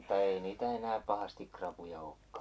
mutta ei niitä enää pahasti rapuja olekaan